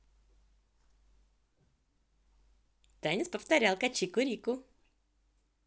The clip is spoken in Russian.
танец повторялка чику рику